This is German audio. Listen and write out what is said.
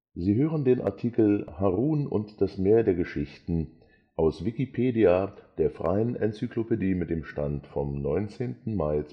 Sie hören den Artikel Harun und das Meer der Geschichten, aus Wikipedia, der freien Enzyklopädie. Mit dem Stand vom Der